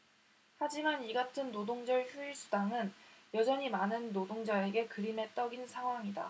하지만 이같은 노동절 휴일수당은 여전히 많은 노동자에게 그림의 떡인 상황이다